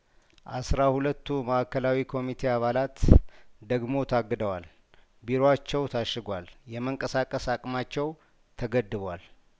አስራ ሁለቱ ማእከላዊ ኮሚቴ አባላት ደግሞ ታግደዋል ቢሮአቸው ታሽጓል የመንቀሳቀስ አቅማቸው ተገድቧል